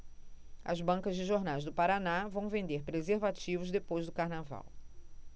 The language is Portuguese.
as bancas de jornais do paraná vão vender preservativos depois do carnaval